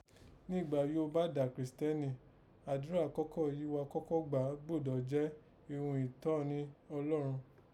Nígbà yìí ó bá dá Kìrìsìtẹ́nì, àdúrà àkọ́kọ́ yìí wa kọ́kọ́ gba gbúdọ̀ jẹ́ ghún ìtọ́ni Ọlọ́run